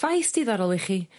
Ffaith diddorol i chi